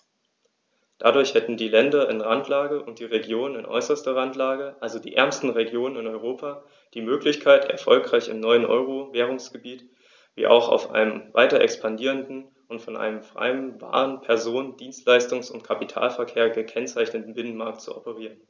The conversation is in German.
Dadurch hätten die Länder in Randlage und die Regionen in äußerster Randlage, also die ärmeren Regionen in Europa, die Möglichkeit, erfolgreich im neuen Euro-Währungsgebiet wie auch auf einem weiter expandierenden und von einem freien Waren-, Personen-, Dienstleistungs- und Kapitalverkehr gekennzeichneten Binnenmarkt zu operieren.